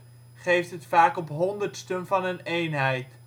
vaak op honderdsten van een eenheid